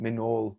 myn' nôl